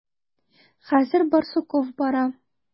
Хәзер Барсуков бара.